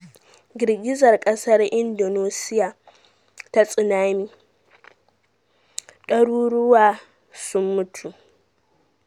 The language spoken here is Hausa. Girgizar kasar Indonesia ta tsunami: daruruwa sun mutu